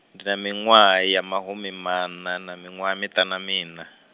ndi na miṅwaha ya mahumimaṋa na miṅwaha miṱanu na miṋa.